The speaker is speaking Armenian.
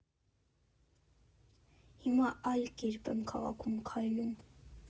Հիմա այլ կերպ եմ քաղաքում քայլում։